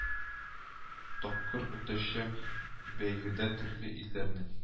Тапкыр үтәчәк бәйгедә төрле илләрнең